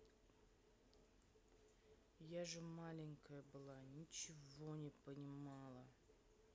я же маленькая была ничего не понимала